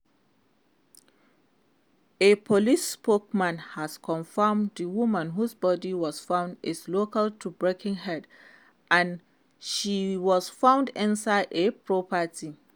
A police spokesman has confirmed the woman whose body was found is local to Birkenhead and she was found inside a property.